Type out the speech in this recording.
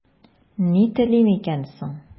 Ни телим икән соң?